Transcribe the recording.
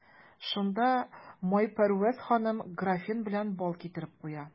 Шунда Майпәрвәз ханым графин белән бал китереп куя.